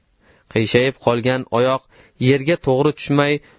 qiyshayib qolgan oyoq yerga to'g'ri tushmay